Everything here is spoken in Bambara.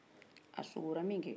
sikora min kɛ